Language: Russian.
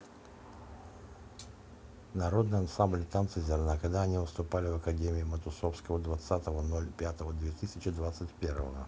народный ансамбль танцы зерна когда они выступали в академии матусовского двадцатого ноль пятого две тысячи двадцать первого